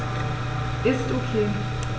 Ist OK.